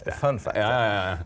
funfact ja ja ja ja ja.